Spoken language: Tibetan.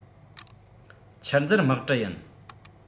ཆུར འཛུལ དམག གྲུ ཡིན